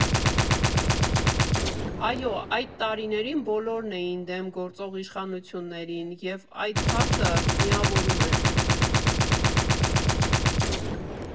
Այո, այդ տարիներին բոլորն էին դեմ գործող իշխանություններին և այդ փաստը միավորում էր։